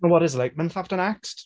Wel, what is like month after next?